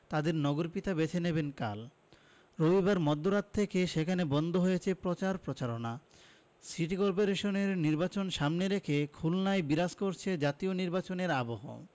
তাঁদের নগরপিতা বেছে নেবেন কাল রবিবার মধ্যরাত থেকে সেখানে বন্ধ হয়েছে প্রচার প্রচারণা সিটি করপোরেশন নির্বাচন সামনে রেখে খুলনায় বিরাজ করছে জাতীয় নির্বাচনের আবহ